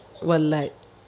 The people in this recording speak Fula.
wallay